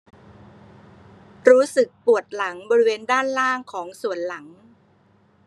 รู้สึกปวดหลังบริเวณด้านล่างของส่วนหลัง